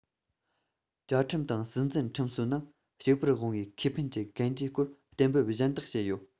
བཅའ ཁྲིམས དང སྲིད འཛིན ཁྲིམས སྲོལ ནང གཅིག པུར དབང བའི ཁེ ཕན གྱི གན རྒྱའི སྐོར གཏན འབེབས གཞན དག བྱས ཡོད